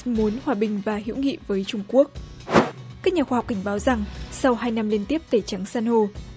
muốn hòa bình và hữu nghị với trung quốc các nhà khoa học cảnh báo rằng sau hai năm liên tiếp tẩy trắng san hô